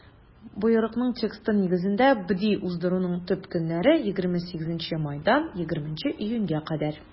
Боерыкның тексты нигезендә, БДИ уздыруның төп көннәре - 28 майдан 20 июньгә кадәр.